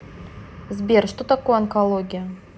сбер что такое онкология